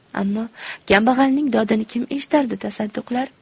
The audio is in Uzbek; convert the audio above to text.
ammo kambag'alning dodini kim eshitardi tasadduqlar